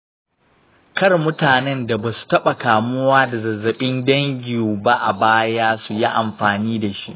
kar mutanen da ba su taɓa kamuwa da zazzabin dengue ba a baya su yi amfani da shi.